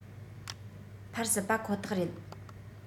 འཕར སྲིད པ ཁོ ཐག རེད